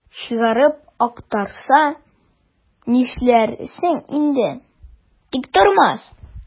Чыгарып актарса, нишләрсең инде, Тиктормас?